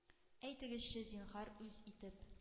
Әйтегезче, зинһар, үз итеп,